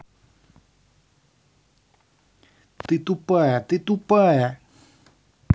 ты тупая ты тупая